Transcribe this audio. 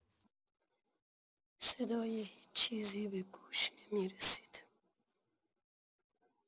صدای هیچ‌چیزی به گوش نمی‌رسید.